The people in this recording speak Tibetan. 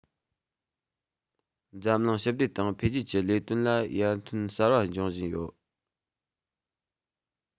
འཛམ གླིང ཞི བདེ དང འཕེལ རྒྱས ཀྱི ལས དོན ལ ཡར ཐོན གསར པ འབྱུང བཞིན ཡོད